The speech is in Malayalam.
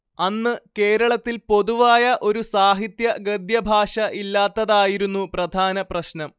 അന്ന് കേരളത്തിൽ പൊതുവായ ഒരു സാഹിത്യ ഗദ്യഭാഷ ഇല്ലാത്തതായിരുന്നു പ്രധാന പ്രശ്നം